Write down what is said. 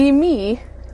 I mi,